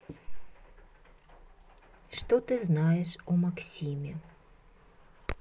что ты знаешь о максиме